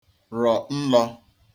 rọ̀ nlọ̄